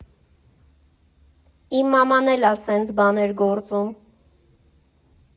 Իմ մաման էլ ա սենց բաներ գործում։